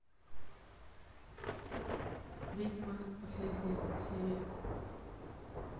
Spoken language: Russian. ведьма последняя серия